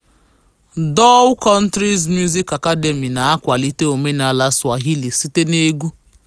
Dhow Countries Music Academy na-akwalite omenala Swahili site n'egwu